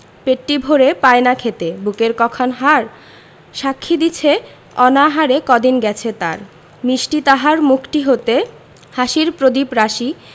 পেটটি ভরে পায় না খেতে বুকের ক খান হাড় সাক্ষী দিছে অনাহারে কদিন গেছে তার মিষ্টি তাহার মুখটি হতে হাসির প্রদীপ রাশি